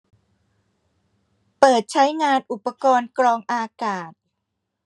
เปิดใช้งานอุปกรณ์กรองอากาศ